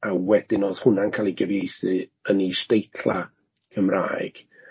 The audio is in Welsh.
A wedyn oedd hwnna'n cael ei gyfeithu yn is-deitlau Cymraeg.